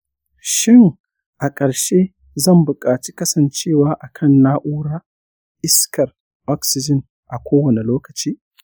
shin a ƙarshe zan buƙaci kasancewa akan na'urar iskar oxygen a kowane lokaci?